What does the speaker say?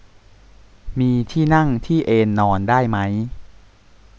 มีที่นั่งที่เอนนอนได้มั้ย